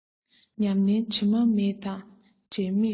ཉམས ལེན དྲི མ མེད དང འབྲལ མེད ཤོག